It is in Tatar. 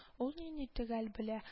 Ул нине төгәл белә: